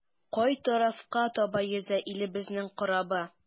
Кай тарафка таба йөзә илебезнең корабы?